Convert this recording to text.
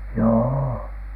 joo